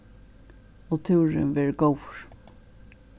og túrurin verður góður